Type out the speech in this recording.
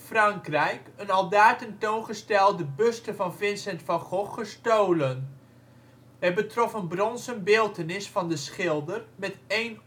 Frankrijk een aldaar tentoongestelde buste van Vincent van Gogh gestolen. Het betrof een bronzen beeltenis van de schilder –